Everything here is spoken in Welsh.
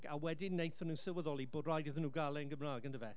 a wedyn wnaethon nhw sylweddoli bod raid iddyn nhw gael e'n Gymraeg yndyfe